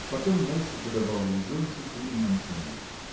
Потом молча подавал ей зонтик или мантилью.